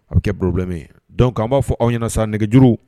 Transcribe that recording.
Aw kɛ bbilen dɔnku an b'a fɔ aw ɲɛna san nɛgɛgejuru